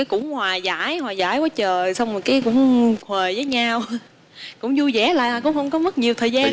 cũng hòa giải hòa giải quá trời xong rồi cái cũng huề với nhau cũng vui vẻ lại à cũng không có mất nhiều thời gian lắm